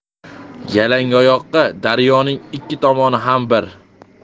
yalangoyoqqa daryoning ikki tomoni ham bir